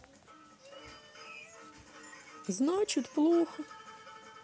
значит плохо